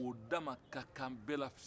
o dama ka k'an bɛ la